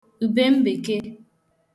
ubem̀bèke